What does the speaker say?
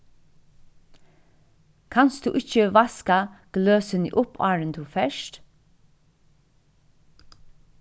kanst tú ikki vaska gløsini upp áðrenn tú fert